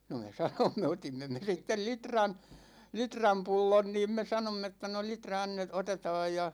no me sanoimme otimme me sitten litran litran pullon niin me sanoimme että no litra - otetaan ja